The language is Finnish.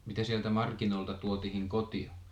mitä sieltä markkinoilta tuotiin kotiin